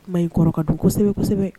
Ma i kɔrɔkɛ don kosɛbɛ kosɛbɛ